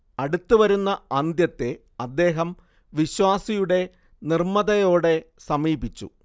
അടുത്തുവരുന്ന അന്ത്യത്തെ അദ്ദേഹം വിശ്വാസിയുടെ നിർമ്മതയോടെ സമീപിച്ചു